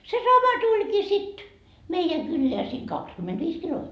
se sama tulikin sitten meidän kylään siinä kaksikymmentäviisi -